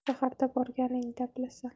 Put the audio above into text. shaharga borganingda bilasan